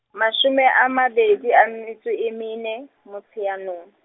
mashome a mabedi a metso e mene, Motsheanong.